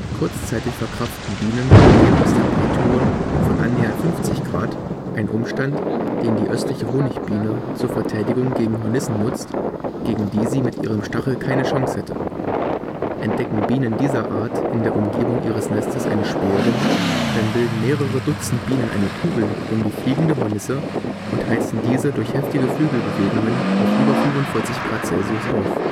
Kurzzeitig verkraften Bienen Umgebungstemperaturen von annähernd 50 °C, ein Umstand, den die Östliche Honigbiene zur Verteidigung gegen Hornissen nutzt, gegen die sie mit ihrem Stachel keine Chance hätte: Entdecken Bienen dieser Art in der Umgebung ihres Nestes eine Späherin, dann bilden mehrere Dutzend Bienen eine Kugel um die fliegende Hornisse und heizen diese durch heftige Flügelbewegungen auf über 45 °C auf